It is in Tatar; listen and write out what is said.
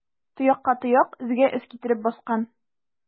Тоякка тояк, эзгә эз китереп баскан.